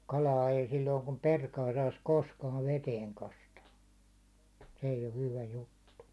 kalaa ei silloin kun perkaa saisi koskaan veteen kastaa se ei ole hyvä juttu